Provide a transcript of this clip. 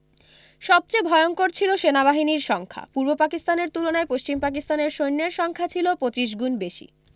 সবচেয়ে ভয়ংকর ছিল সেনাবাহিনীর সংখ্যা পূর্ব পাকিস্তানের তুলনায় পশ্চিম পাকিস্তানের সৈন্যের সংখ্যা ছিল ২৫ গুণ বেশি